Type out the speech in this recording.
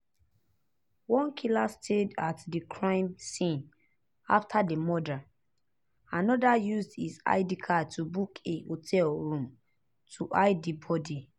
One killer stayed at the crime scene after the murder; another used his ID card to book a hotel room to hide the body.